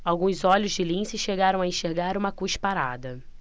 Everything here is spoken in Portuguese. alguns olhos de lince chegaram a enxergar uma cusparada